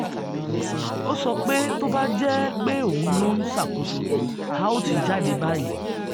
Ó sọ pé, tó bá jẹ́ pé òun ló ṣàkóso, a o ti jáde báyìí.